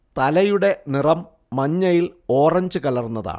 തലയുടെ നിറം മഞ്ഞയിൽ ഓറഞ്ച് കലർന്നതാണ്